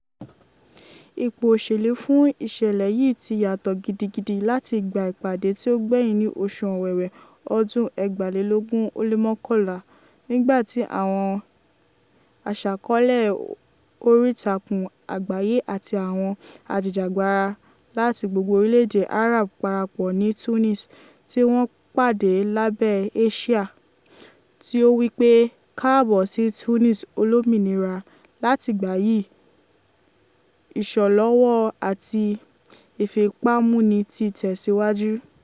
Ipò òṣèlú fún ìṣẹ̀lẹ̀ yìí ti yàtọ̀ gidigidi láti ìgbà ìpàdé tí ó gbẹ̀yìn ní oṣù Ọ̀wẹ̀wẹ̀ ọdún 2011, nígbà tí àwọn aṣàkọọ́lẹ̀ oríìtakùn àgbáyé àti àwọn ajìjàgbara láti gbogbo orílẹ̀-èdè Arab parapọ̀ ní Tunis, tí wọ́n pàdé lábẹ́ àsíà tí ó wí pé: "Káàbọ̀ sí Tunis Olómìnira." Láti ìgbà yìí, ìṣọ́lọ́wọ́ àti ìfipámúni ti tẹ̀síwájú.